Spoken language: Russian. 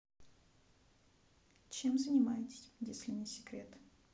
чем занимаетесь если не секрет